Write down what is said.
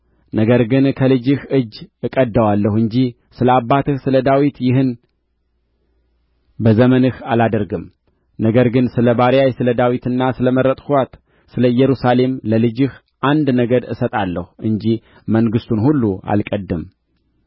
ነገር ግን ከልጅህ እጅ እቀድደዋለሁ እንጂ ስለ አባትህ ስለ ዳዊት ይህን በዘመንህ አላደርግም ነገር ግን ስለ ባሪያዬ ስለ ዳዊትና ስለ መረጥኋት ስለ ኢየሩሳሌም ለልጅህ አንድ ነገድ እሰጣለሁ እንጂ መንግሥቱን ሁሉ አልቀድድም